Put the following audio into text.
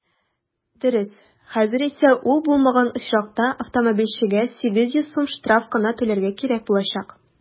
Дөрес, хәзер исә ул булмаган очракта автомобильчегә 800 сум штраф кына түләргә кирәк булачак.